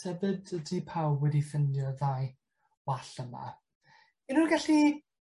Tybedd ydi pawb wedi ffindio ddau gwall yma. Unrywun gellu